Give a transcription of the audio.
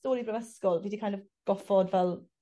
do' i brifysgol dwi 'di kin' of goffod fel